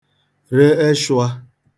re eshụā